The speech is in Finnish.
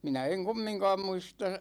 minä en kumminkaan muista